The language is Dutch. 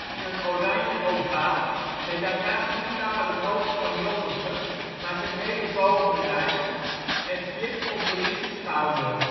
in een oranje ovaal, met daarnaast niet langer het hoofd van Jommeke, maar zijn hele bovenlijf en Flip op de linkerschouder